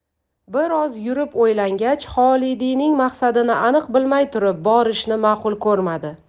bir oz yurib o'ylangach xolidiyning maqsadini aniq bilmay turib borishni ma'qul ko'rmadi